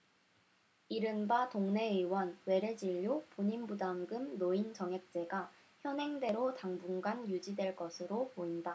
이른바 동네의원 외래진료 본인부담금 노인정액제가 현행대로 당분간 유지될 것으로 보인다